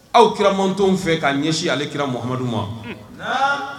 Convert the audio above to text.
Aw kira manttɔnw fɛ k' ɲɛsin ale kiraramadu ma